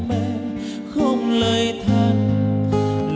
khóc